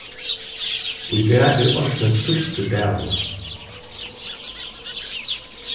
í dag er ársins síðsti dagur